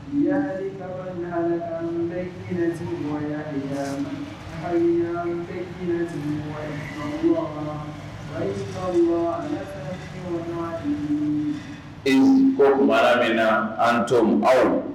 Ko bara min an to aw